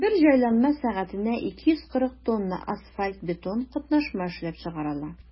Бер җайланма сәгатенә 240 тонна асфальт–бетон катнашма эшләп чыгара ала.